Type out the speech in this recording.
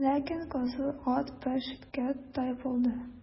Ләкин кызу ат бер читкә тайпылды.